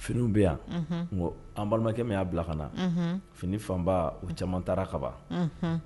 Finiw bɛ yan, unhun, n ko an balimakɛ min y'a bila ka na, unhun, fini fan ba u caaman taara ka ban, unhun.